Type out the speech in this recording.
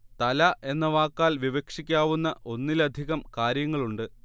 തല എന്ന വാക്കാൽ വിവക്ഷിക്കാവുന്ന ഒന്നിലധികം കാര്യങ്ങളുണ്ട്